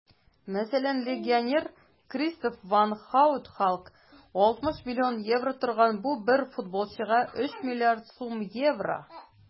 Мәсәлән, легионер Кристоф ван Һаут (Халк) 60 млн евро торган - бу бер футболчыга 3 млрд сум евро!